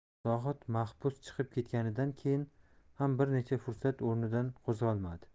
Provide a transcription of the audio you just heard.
zohid mahbus chiqib ketganidan keyin ham bir necha fursat o'rnidan qo'zg'almadi